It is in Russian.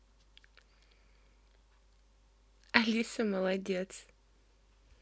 алиса молодец